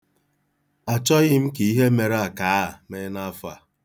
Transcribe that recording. Achọghị m ka ihe mere akaaa mee n'afọ a.